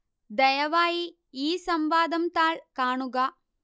ദയവായി ഈ സംവാദം താൾ കാണുക